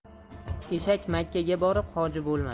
eshak makkaga borib hoji bo'lmas